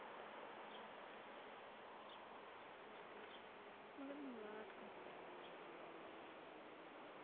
мармеладка